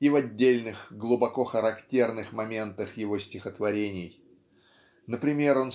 и в отдельных глубоко-характерных моментах его стихотворений. Например